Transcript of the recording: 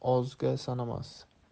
mehmon ozga sanamas